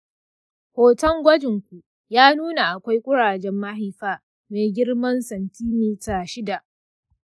hoton gwajin ku ya nuna akwai ƙurajen mahaifa mai girman santimita shida.